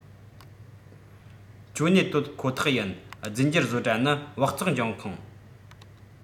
ཅོ ནེ གཏོད ཁོ ཐག ཡིན རྫས འགྱུར བཟོ གྲྭ ནི སྦགས བཙོག འབྱུང ཁུངས